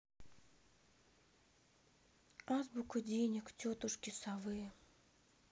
азбука денег тетушки совы